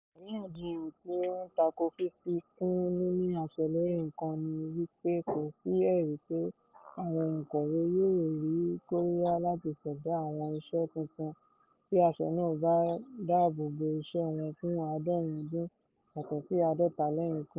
Àríyànjiyàn tí ó ń tako fífi kún níní àṣẹ lórí nǹkan ni wí pé kò sí ẹ̀rí pé àwọn òǹkọ̀wé yóò rí kóríyá láti ṣẹ̀dá àwọn iṣẹ́ tuntun bí àṣẹ náà bá dáàbò bo iṣẹ́ wọn fún àádọ́rin ọdún yàtọ̀ sí àádọ́ta lẹ́yìn ikú wọn.